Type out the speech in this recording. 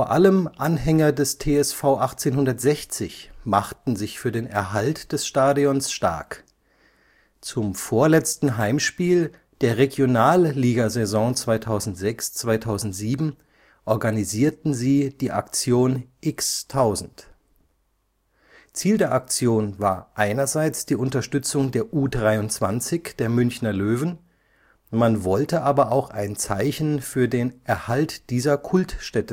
allem Anhänger des TSV 1860 machten sich für den Erhalt des Stadions stark. Zum vorletzten Heimspiel der Regionalligasaison 2006/07 organisierten sie die Aktion X-Tausend. Ziel der Aktion war einerseits die Unterstützung der U23 der Münchner Löwen, man wollte aber auch ein Zeichen für den „ Erhalt dieser Kultstätte